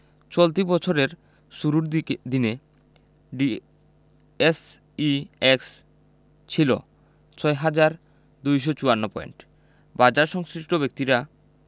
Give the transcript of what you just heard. চলতি বছরের শুরুর দিকে দিনে ডিএসইএক্স ছিল ৬ হাজার ২৫৪ পয়েন্টে বাজারসংশ্লিষ্ট ব্যক্তিরা